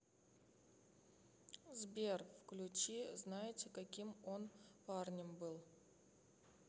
сбер включи знаете каким он парнем был